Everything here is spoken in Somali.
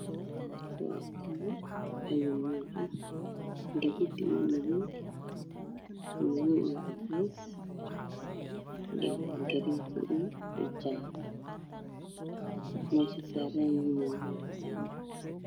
Waa kabo ayi nuuc ah gaduud iyo madow, garee iyo cadeys, gaduud iyo jaale meeshay saaran yihiin waa meel cadaan ah.